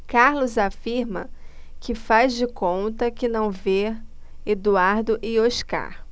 carlos afirma que faz de conta que não vê eduardo e oscar